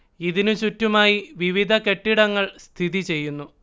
ഇതിനു ചുറ്റുമായി വിവിധ കെട്ടിടങ്ങൾ സ്ഥിതിചെയ്യുന്നു